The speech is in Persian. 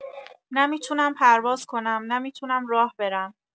نه می‌تونم پرواز کنم، نه می‌تونم راه برم.